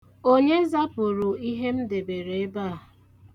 Onye zapụrụ ihe m debere ebe a?